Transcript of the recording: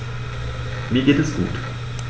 Mir geht es gut.